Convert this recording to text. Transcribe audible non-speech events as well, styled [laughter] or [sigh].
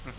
[hesitation] [hesitation]